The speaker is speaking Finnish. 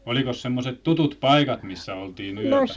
olikos semmoiset tutut paikat missä oltiin yötä